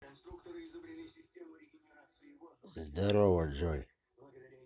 здорово джой